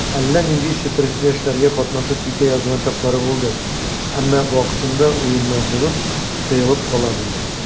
Әллә нинди четрекле эшләргә катнашып китә язган чаклары булды, әмма вакытында уеннан чыгып, тыелып кала белде.